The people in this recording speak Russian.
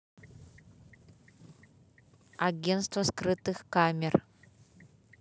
агентство скрытых камер